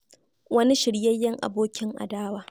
Wani shiryayyen abokin adawa